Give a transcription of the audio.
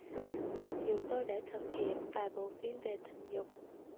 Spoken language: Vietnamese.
mặc dù tôi đã thực hiện vài bộ phim về tình dục